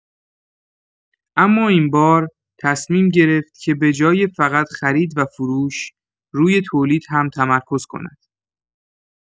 اما این بار، تصمیم گرفت که به‌جای فقط خرید و فروش، روی تولید هم تمرکز کند.